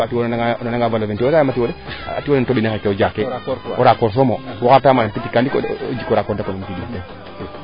surtout o nana nga valeur fe leyamo tuyaux le a tuyaux xe robinet ke to jaake o raakool soomo waxa reta boutique kaa ndiiki o jiko raakor monter in